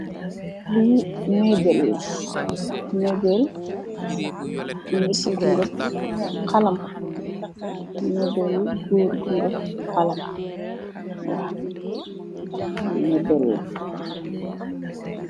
Lee mebal la mebal neet ku gab halam mebal goor gu gab halam waw mebal la.